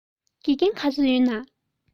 དགེ རྒན ག ཚོད ཡོད ན